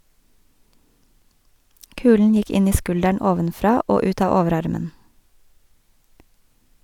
Kulen gikk inn i skulderen ovenfra og ut av overarmen.